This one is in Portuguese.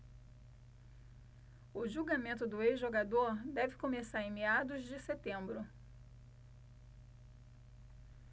o julgamento do ex-jogador deve começar em meados de setembro